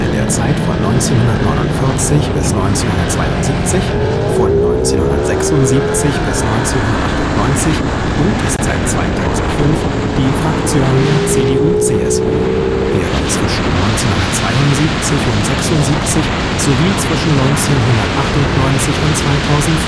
der Zeit von 1949 bis 1972, von 1976 bis 1998 und ist seit 2005 die Fraktion der CDU/CSU, während zwischen 1972 und 1976 sowie zwischen 1998 und 2005